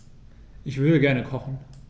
Ich würde gerne kochen.